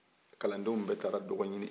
kalandenw bɛɛ taara dɔgɔ ɲini